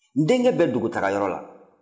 n denkɛ bɛ dugutagayɔrɔ la